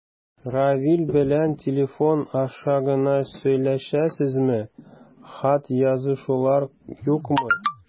Равил белән телефон аша гына сөйләшәсезме, хат язышулар юкмы?